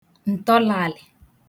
ǹtọlaàlị̀